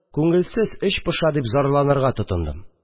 «күңелсез, эч поша», – дип зарланырга тотындым